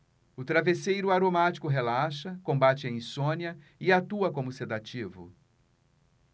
o travesseiro aromático relaxa combate a insônia e atua como sedativo